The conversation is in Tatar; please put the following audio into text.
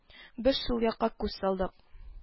Без шул якка күз салдык